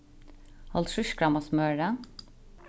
hálvtrýss gramm av smøri